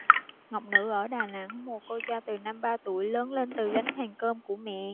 ngọc nữ ở đà nẵng mồ côi cha từ năm ba tuổi lớn lên từ gánh hàng cơm của mẹ